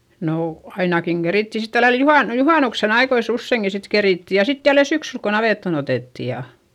no ainakin kerittiin sitten tällä lailla - juhannuksen ajoissa useinkin sitten kerittiin ja sitten jälleen syksyllä kun navettaan otettiin ja